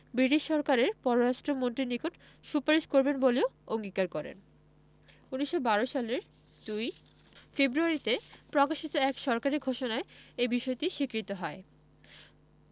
British সরকারের পররাষ্ট্র মন্ত্রীর নিকট সুপারিশ করবেন বলেও অঙ্গীকার করেন ১৯১২ সালের ২ ফেব্রুয়ারিতে প্রকাশিত এক সরকারি ঘোষণায় এ বিষয়টি স্বীকৃত হয়